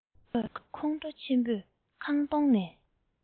ཁོས ཁོང ཁྲོ ཆེན པོས ཁང སྟོང ནས